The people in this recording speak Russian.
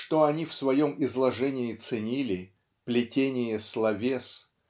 что они в своем изложении ценили "плетение словес"